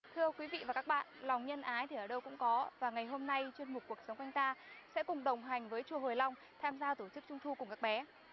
thưa quý vị và các bạn lòng nhân ái thì ở đâu cũng có và ngày hôm nay chuyên mục cuộc sống quanh ta sẽ cùng đồng hành với chùa hồi long tham gia tổ chức trung thu cùng các bé